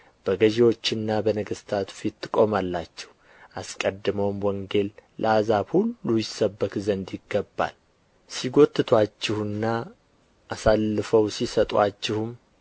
ገዥዎችና በነገሥታት ፊት ትቆማላችሁ አስቀድሞም ወንጌል ለአሕዛብ ሁሉ ይሰበክ ዘንድ ይገባል ሲጐትቱአችሁና አሳልፈው ሲሰጡአችሁም